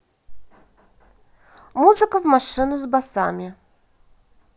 музыка в машину с басами